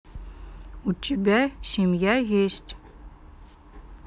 у тебя семья есть